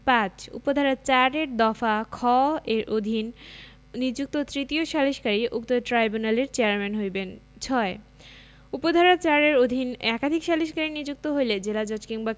৫ উপ ধারা ৪ এর দফা খ এর অধীন নিযুক্ত তৃতীয় সালিসকারী উক্ত ট্রাইব্যুনালের চেয়ারম্যান হইবেন ৬ উপ ধারা ৪ এর অধীন একাধিক সালিসকারী নিযুক্ত হইলে জেলাজজ বা